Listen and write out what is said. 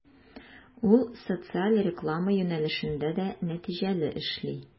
Ул социаль реклама юнәлешендә дә нәтиҗәле эшли.